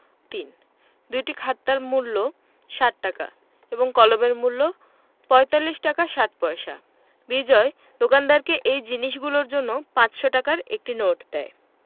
৩ দুইটি খাতার মূল্য ৬০ টাকা এবং কলমের মূল্য ৪৫ টাকা ৬০ পয়সা বিজয় দোকানদারকে এই জিনিসগুলোর জন্য ৫০০ টাকার একটি নোট দেয়